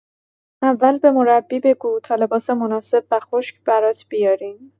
اول به مربی بگو تا لباس مناسب و خشک برات بیاریم.